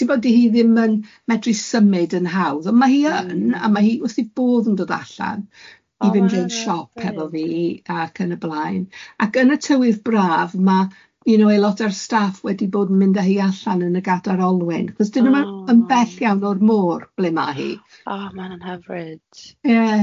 Tibod, dydi hi ddim yn medru symud yn hawdd, ond ma' hi yn, a ma' hi wth i bodd yn dod allan i fynd i'n siop hefo fi ac yn y blaen ag yn y tywydd braf ma' you know aelodau'r staff wedi bod yn mynd â hi allan yn y gadar olwyn achos dy nhw ddim yn bell iawn o'r môr ble ma' hi. O ma' hwnna'n hyfryd.